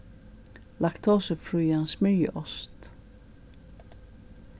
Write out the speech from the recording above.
laktosufrían smyrjiost